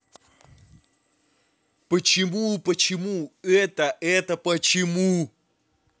почему почему это это почему